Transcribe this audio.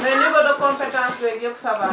mais niveau de compétence beeg yëpp ça va